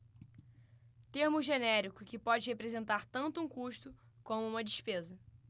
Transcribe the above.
termo genérico que pode representar tanto um custo como uma despesa